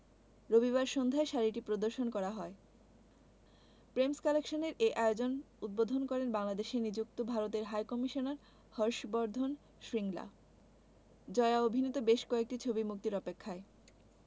রবিবার সন্ধ্যায় শাড়িটি প্রদর্শন করা হয় প্রেমস কালেকশনের এ আয়োজন উদ্বোধন করেন বাংলাদেশে নিযুক্ত ভারতের হাইকমিশনার হর্ষ বর্ধন শ্রিংলা জয়া অভিনীত বেশ কয়েকটি ছবি মুক্তির অপেক্ষায়